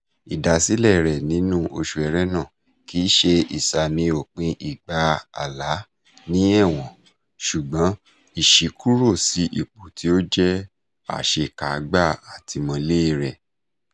Ìdásílẹ̀ẹ rẹ̀ nínú oṣù Ẹrẹ́nà kì í ṣe ìsààmì òpin ìgbà Alaa ní ẹ̀wọ̀n, ṣùgbọ́n ìṣíkúrò sí ipò tí ó jẹ́ àṣekágbá àtìmọ́lée rẹ̀.